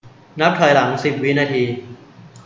นับถอยหลังสิบวินาที